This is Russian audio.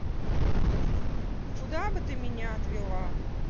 куда бы ты меня отвела